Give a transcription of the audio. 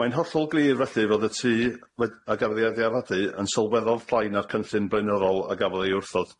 Mae'n hollol glir felly fod y tŷ we- a gafodd ei adeiladu yn sylweddol llai na'r cynllun blaenorol a gafodd ei wrthod.